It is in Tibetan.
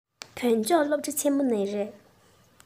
བོད ལྗོངས སློབ གྲྭ ཆེན མོ ནས རེད